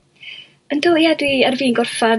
Yndw ia dwi ar fîn gorffan